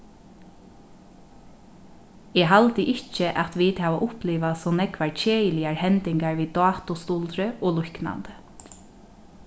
eg haldi ikki at vit hava upplivað so nógvar keðiligar hendingar við dátustuldri og líknandi